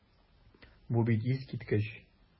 Бу бит искиткеч!